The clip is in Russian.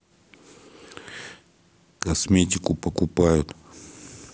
косметику покупают